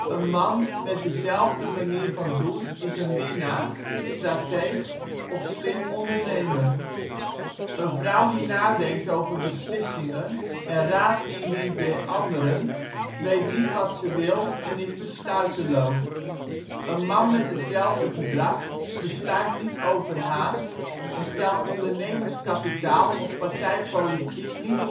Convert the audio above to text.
Een man met dezelfde manier van doen is een winnaar, strateeg of slim ondernemer. Een vrouw die nadenkt over beslissingen en raad inwint bij anderen weet niet wat ze wil en is besluiteloos; een man met hetzelfde gedrag, besluit niet overhaast en stelt ondernemerskapitaal of partijpolitiek niet